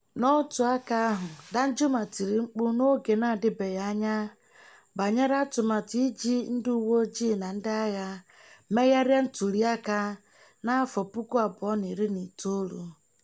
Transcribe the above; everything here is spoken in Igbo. N'otu aka ahụ, Danjuma tiri mkpu n'oge na-adịbeghị anya banyere atụmatụ iji "ndị uwe ojii na ndị agha" megharịa ntụliaka 2019.